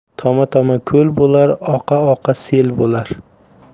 toma toma ko'l bo'lar oqa oqa sel bo'lar